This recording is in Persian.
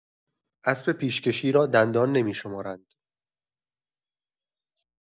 اسب پیش‌کشی را دندان نمی‌شمارند